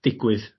digwydd